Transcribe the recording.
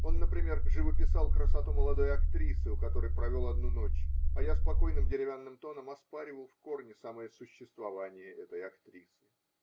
Он, например, живописал красоту молодой актрисы, у которой провел одну ночь, а я спокойным деревянным тоном оспаривал в корне самое существование этой актрисы.